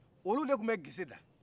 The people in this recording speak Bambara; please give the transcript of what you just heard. olu de tun bɛ geseda